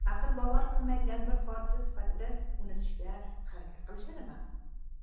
aql bovar qilmaydigan bir hodisa sifatida unutishga harakat qilishadimi